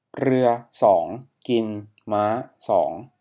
เรือสองกินม้าสอง